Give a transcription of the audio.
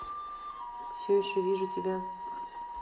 все еще вижу тебя